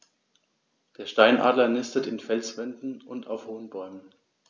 Der Steinadler nistet in Felswänden und auf hohen Bäumen.